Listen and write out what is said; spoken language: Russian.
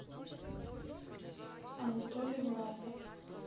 анатолий власов